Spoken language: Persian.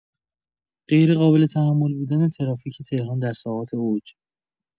غیرقابل‌تحمل بودن ترافیک تهران در ساعات اوج